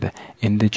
endi chi